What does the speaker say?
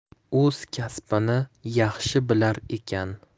o'z kasbini yaxshi bilar ekan